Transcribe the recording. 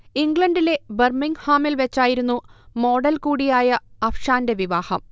ഇംഗ്ലണ്ടിലെ ബർമിങ്ഹാമിൽ വെച്ചായിരുന്നു മോഡൽ കൂടിയായ അഫ്ഷാന്റെ വിവാഹം